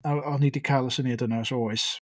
A o'n i 'di cael y syniad yna ers oes.